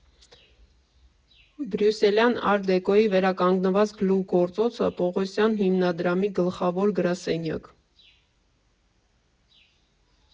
Բրյուսելյան ար֊դեկոյի վերականգնված գլուխգործոցը՝ Պողոսյան հիմնադրամի գլխավոր գրասենյակ։